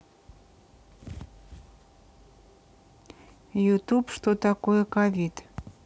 youtube что такое covid